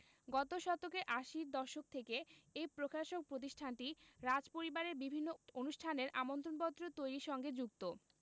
গত শতকের আশির দশক থেকে এই প্রকাশক প্রতিষ্ঠানটি রাজপরিবারের বিভিন্ন অনুষ্ঠানের আমন্ত্রণপত্র তৈরির সঙ্গে যুক্ত